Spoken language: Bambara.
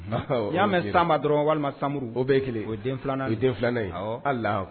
N y'a mɛn sanba dɔrɔn walima samuru o bɛɛ kelen o den filanan den filanan ye ala